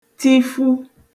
tifu